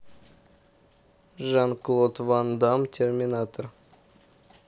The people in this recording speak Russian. жан клод ван дамм терминатор